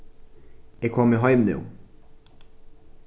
eg komi heim nú